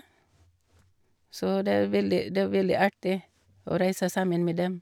Så det er veldig det er veldig artig å reise sammen med dem.